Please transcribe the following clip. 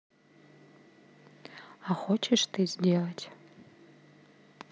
а хочешь ты сделать